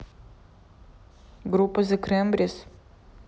группа the крембрис